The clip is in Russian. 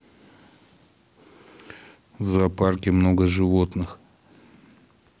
в зоопарке много животных